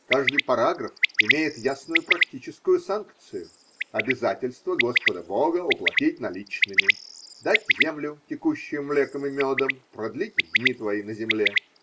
Каждый параграф имеет ясную практическую санкцию, обязательство Господа Бога уплатить наличными: дать землю, текущую млеком и медом, продлить дни твои на земле.